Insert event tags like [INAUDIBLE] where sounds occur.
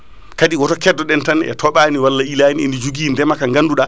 [NOISE] kaadi wotto keddoɗen tan e toɓani walla ilani ina jogui ndeema ka ganduɗa